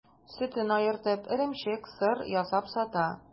Сөтен аертып, эремчек, сыр ясап сата.